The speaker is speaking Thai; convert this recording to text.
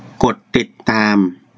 กดติดตาม